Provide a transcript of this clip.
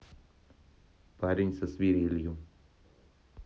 парень со свирелью